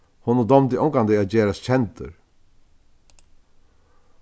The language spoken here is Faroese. honum dámdi ongantíð at gerast kendur